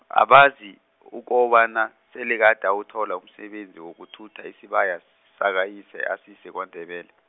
abazi, ukobana selikade awuthola umsebenzi wokuthutha isibaya, s- sakayise asise kwaNdebele .